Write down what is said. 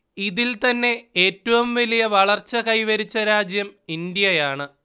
ഇതിൽ തന്നെ ഏറ്റവും വലിയ വളർച്ച കൈവരിച്ച രാജ്യം ഇന്ത്യയാണ്